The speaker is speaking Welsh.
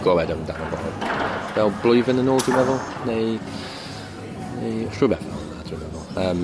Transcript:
glywed amdano fo fel blwyddyn yn ôl dwi'n meddwl neu neu rhywbeth fel 'na dwi'n meddwl. Yym.